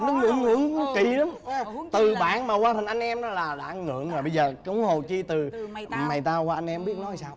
nó ngưỡng ngưỡng nó kì lắm từ bạn mà qua thành anh em nó là là đã ngượng rồi huống hồ chi từ mày tao tao qua anh em biết nói à sao